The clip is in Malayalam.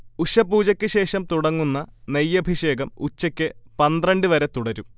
ഉഷഃപൂജക്കുശേഷം തുടങ്ങുന്ന നെയ്യഭിഷേകം ഉച്ച്ക്ക് പന്ത്രണ്ട് വരെ തുടരും